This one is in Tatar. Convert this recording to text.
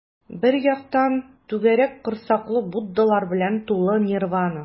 Бер яктан - түгәрәк корсаклы буддалар белән тулы нирвана.